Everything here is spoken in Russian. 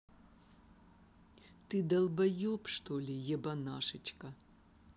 ты долбоеб что ли ебанашечка